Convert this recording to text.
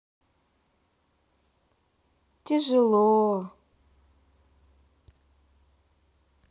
тяжело